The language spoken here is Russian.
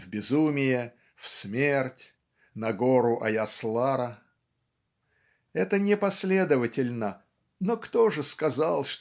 в безумие, в смерть, на гору Аяслара. Это непоследовательно но кто же сказал